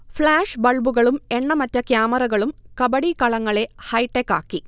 flash ബൾബുകളും എണ്ണമറ്റ ക്യാമറകളും കബഡി കളങ്ങളെ ഹൈടെക്കാക്കി